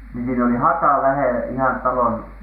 niin siinä oli haka - ihan talon